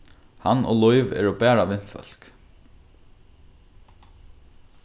hann og lív eru bara vinfólk